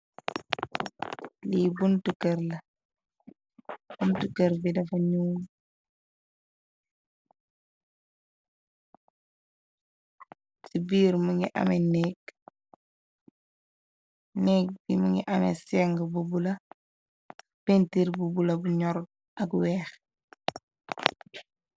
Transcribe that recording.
Lee buntu kërr la buntu kerr bi dafa ñuul se birr muge ameh neek neeke be mu ngi ame senge bu bula pintir bu bula bu ñorut ak weex.